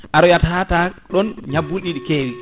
aroyat hata ɗon ñabbuliɗi ɗi keewi